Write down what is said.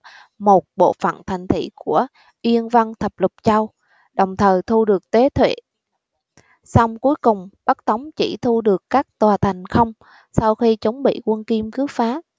một bộ phận thành thị của yên vân thập lục châu đồng thời thu được tuế tệ song cuối cùng bắc tống chỉ thu được các tòa thành không sau khi chúng bị quân kim cướp phá